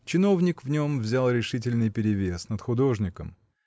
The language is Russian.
Чиновник в нем взял решительный перевес над художником